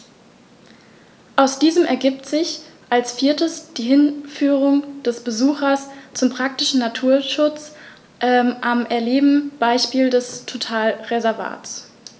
Aus diesen ergibt sich als viertes die Hinführung des Besuchers zum praktischen Naturschutz am erlebten Beispiel eines Totalreservats.